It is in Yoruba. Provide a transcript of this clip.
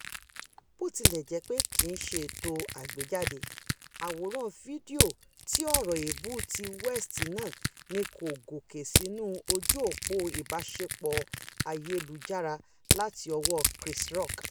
Botilẹjẹpe kìí ṣe ètò àgbéjáde, àwòrán fídíò ti ọ̀rọ̀ èébú ti West náà ni kó gòké sínú ojú-òpò ìbáṣepọ̀ ayelujara láti ọwọ́ Chris Rock.